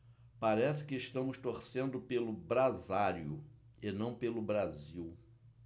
parece que estamos torcendo pelo brasário e não pelo brasil